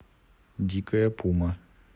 дикая пума